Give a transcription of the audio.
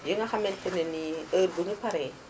yi nga xamante ne nii heure buñu paree